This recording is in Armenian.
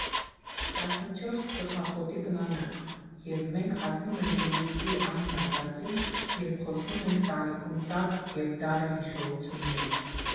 Տասնչորս ծխախոտի գլանակ, և մենք հասնում ենք զրույցի այն հատվածին, երբ խոսում ենք տանիքում տաք և դառը հիշողություններից։